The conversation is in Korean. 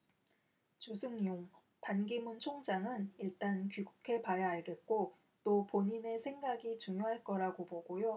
주승용 반기문 총장은 일단 귀국해 봐야 알겠고 또 본인의 생각이 중요할 거라고 보고요